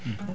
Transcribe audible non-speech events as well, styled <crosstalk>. <hesitation> <hesitation>